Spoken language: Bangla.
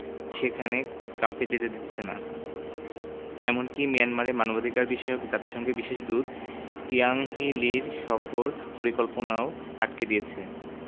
সেখানে কাউকে যেতে দিচ্ছে না এমনকি মিয়ানমারে মানবাধিকারবিষয়ক জাতিসংঘের বিশেষ দূত ইয়াংহি লির সফর পরিকল্পনাও আটকে দিয়েছে